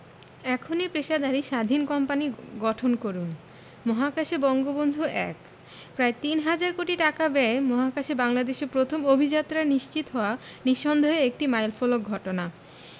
এখনই পেশাদারি স্বাধীন কোম্পানি গঠন করুন মহাকাশে বঙ্গবন্ধু ১ প্রায় তিন হাজার কোটি টাকা ব্যয়ে মহাকাশে বাংলাদেশের প্রথম অভিযাত্রা নিশ্চিত হওয়া নিঃসন্দেহে একটি মাইলফলক ঘটনা